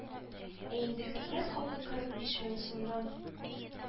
Ә инде хезмәт хакы кырык биш мең сумнан